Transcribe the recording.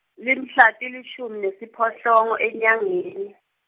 limhla tilishumi nesiphohlongo enyangeni.